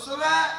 Kosɛbɛ